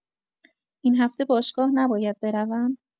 این هفته باشگاه نباید بروم؟